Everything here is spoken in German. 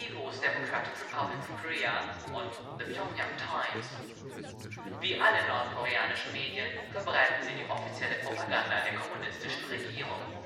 's Democratic Republic of Korea und The Pyongyang Times. Wie alle nordkoreanischen Medien verbreiten sie die offizielle Propaganda der kommunistischen Regierung